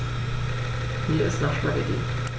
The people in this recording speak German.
Mir ist nach Spaghetti.